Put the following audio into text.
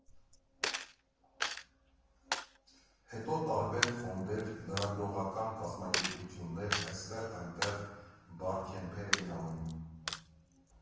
Հետո տարբեր ֆոնդեր, լրագրողական կազմակերպություններ այստեղ֊այնտեղ Բարքեմփեր էին անում։